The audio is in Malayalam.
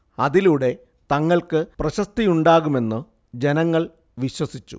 അതിലൂടെ തങ്ങൾക്കു പ്രശസ്തിയുണ്ടാകുമെന്ന് ജനങ്ങൾ വിശ്വസിച്ചു